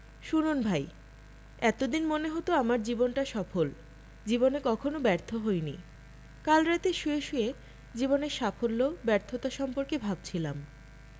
শুনুন ভাই এত দিন মনে হতো আমার জীবনটা সফল জীবনে কখনো ব্যর্থ হইনি কাল রাতে শুয়ে শুয়ে জীবনের সাফল্য ব্যর্থতা সম্পর্কে ভাবছিলাম